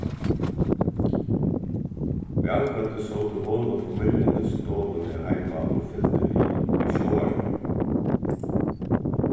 valkvøldið sótu hon og familjan í stovuni heima og fylgdu við í sjónvarpinum